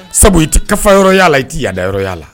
Sabu i tɛyɔrɔya la i tɛ yaadayɔrɔya la